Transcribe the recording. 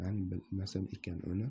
man bilmasam ekan uni